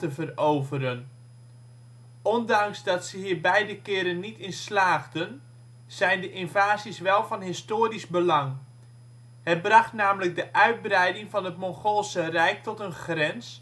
veroveren. Ondanks dat ze hier beide keren niet in slaagden, zijn de invasies wel van historisch belang. Het bracht namelijk de uitbreiding van het Mongoolse rijk tot een grens